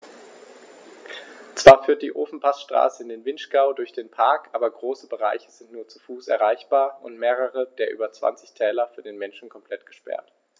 Zwar führt die Ofenpassstraße in den Vinschgau durch den Park, aber große Bereiche sind nur zu Fuß erreichbar und mehrere der über 20 Täler für den Menschen komplett gesperrt.